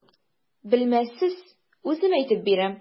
Белмәссез, үзем әйтеп бирәм.